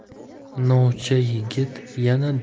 novcha yigit yana